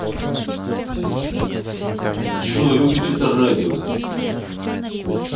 джой выключи это радио